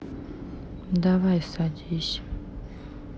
давай садись